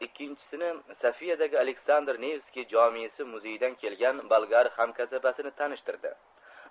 ikkinchisini sofiyadagi aleksandr nevskiy jomesi muzeyidan kelgan bolgar hamkasabasini tanishtirdi